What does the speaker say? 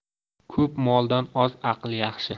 ko'p moldan oz aql yaxshi